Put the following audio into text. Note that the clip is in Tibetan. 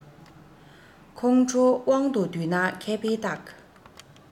ཁོང ཁྲོ དབང དུ འདུས ན མཁས པའི རྟགས